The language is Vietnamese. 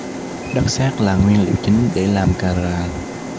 đất sét là nguyên liệu chính để làm cà ràng